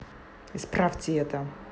исправьте это